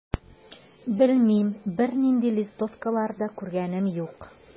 Белмим, бернинди листовкалар да күргәнем юк.